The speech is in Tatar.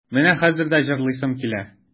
Менә хәзер дә җырлыйсым килә.